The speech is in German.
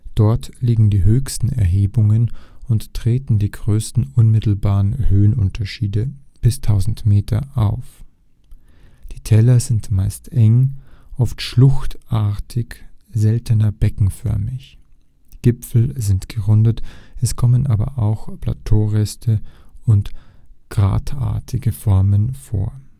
Dort liegen die höchsten Erhebungen und treten die größten unmittelbaren Höhenunterschiede (bis 1000 m) auf. Die Täler sind meist eng, oft schluchtartig, seltener beckenförmig. Die Gipfel sind gerundet, es kommen aber auch Plateaureste und gratartige Formen vor